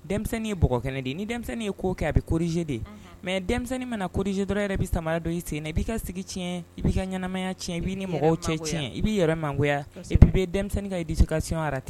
Denmisɛnnin ye bɔgɔ kɛnɛ de ye ni denmisɛnnin ye ko kɛ a bɛ corrigé de, unhun, mais denmisɛnnin mana corrigé dɔrɔn e yɛrɛ bɛ samara dɔ i sen na i b'i ka sigi tiɲɛ i b'i ka ɲɛnamaya tiɲɛ i b'i ni mɔgɔw cɛ tiɲɛ i b'i yɛrɛ mangoya, kosɛbɛ et puis i bɛ denmisɛnnin ka éducation raté